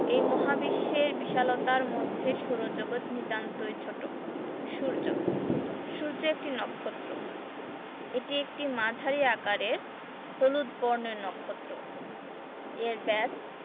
এই মহাবিশ্বের বিশালতার মধ্যে সৌরজগৎ নিতান্তই ছোট সূর্য সূর্য একটি নক্ষত্র এটি একটি মাঝারি আকারের হলুদ বর্ণের নক্ষত্র এর ব্যাস